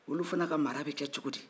olu fana ka mara bɛ ke cogodi